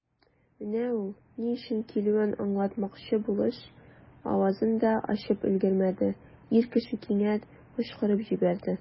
Менә ул, ни өчен килүен аңлатмакчы булыш, авызын да ачып өлгермәде, ир кеше кинәт кычкырып җибәрде.